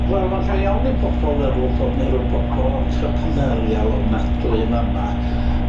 Wel mae'n lle iawn i pobol feddwl bod ni rw pobol entrepreneurial ofnadwy yn fa'ma.